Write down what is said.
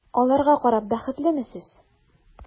Аларга карап бәхетлеме сез?